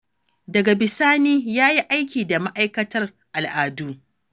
Daga bisani ya yi aiki da Ma'aikatar Al'adu.